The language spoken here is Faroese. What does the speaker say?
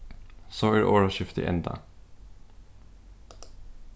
so er orðaskiftið endað